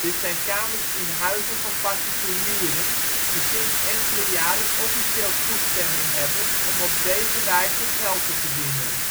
zijn kamers in huizen van particulieren, die sinds enkele jaren officieel toestemming hebben om op deze wijze geld te verdienen